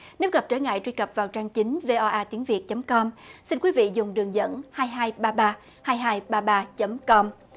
nếu gặp trở ngại truy cập vào trang chính vê o a tiếng việt chấm com xin quý vị dùng đường dẫn hai hai ba ba hai hai ba ba chấm com